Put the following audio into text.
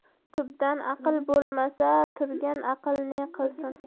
tubdan aql bo'lmasa turtgan aql ne qilsin